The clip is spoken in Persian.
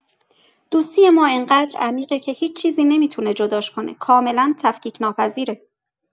دوستی ما انقدر عمیقه که هیچ چیزی نمی‌تونه جداش کنه؛ کاملا تفکیک‌ناپذیره!